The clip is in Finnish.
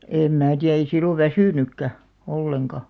en minä tiedä ei silloin väsynytkään ollenkaan